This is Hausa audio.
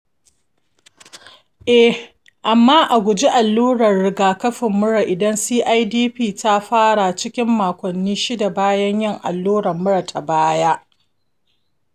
ee, amma a guji allurar rigakafin mura idan cidp ta fara cikin makonni shida bayan yin allurar mura ta baya.